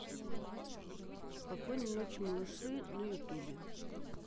спокойной ночи малыши на ютубе